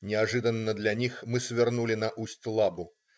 Неожиданно для них мы свернули на Усть-Лабу.